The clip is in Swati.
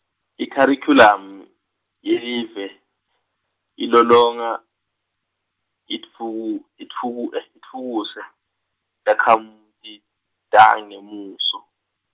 ikharikhulam- yelive ilolonga, itfuku- itfuku- itfutfukisa takhamuti tangemuso.